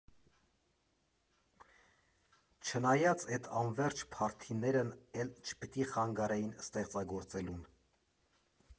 Չնայած, էդ անվերջ փարթիներն էլ չպիտի խանգարեն ստեղծագործելուն։